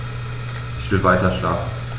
Ich will weiterschlafen.